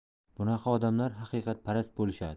bunaqa odamlar haqiqatparast bo'lishadi